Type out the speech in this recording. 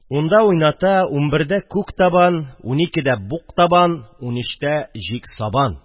– унда уйната, унбердә күк табан, уникедә – бук табан, унөчтә – җик сабан